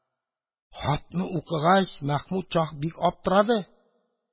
Хатны укыгач, Мәхмүд шаһ бик аптырады.